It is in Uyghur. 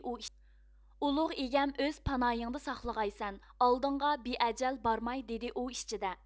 ئۇلۇغ ئىگەم ئۆز پاناھىڭدا ساقلىغايسەن ئالدىڭغا بىئەجەل بارماي دىدى ئۇ ئىچىدە